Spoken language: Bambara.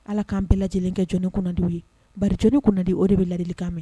Ala k'an bɛɛ lajɛlenkɛjni kunnadi ye balijni kunnadi o de bɛ lalikan mɛn